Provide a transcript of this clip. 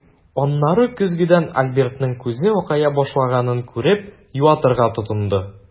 Аннары көзгедән Альбертның күзе акая башлаганын күреп, юатырга тотынды.